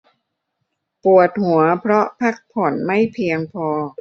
ปวดหัวเพราะพักผ่อนไม่เพียงพอ